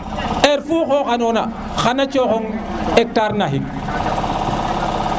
heure fu xoxo nano xaye coxong hectar naxiq